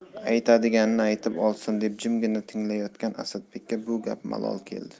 aytadiganini aytib olsin deb jimgina tinglayotgan asadbekka bu gap malol keldi